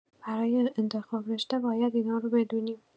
برای انتخاب رشته باید اینارو بدونیم.